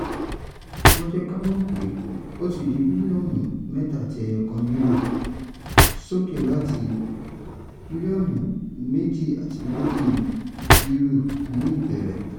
Wọ́n jẹ́ ká mọ̀ pé ó ti dé €3.1billion ($3.6bn) - sókè láti €2.2 billion ní ìbẹ̀rẹ̀.